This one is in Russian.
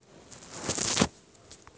звук как бьется стекло